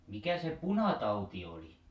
mikä se punatauti oli